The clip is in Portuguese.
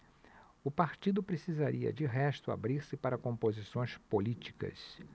o partido precisaria de resto abrir-se para composições políticas